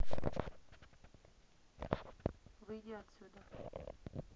выйди отсюда